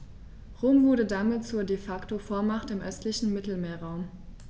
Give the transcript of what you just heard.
Rom wurde damit zur ‚De-Facto-Vormacht‘ im östlichen Mittelmeerraum.